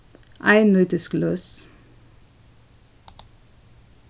einnýtisgløs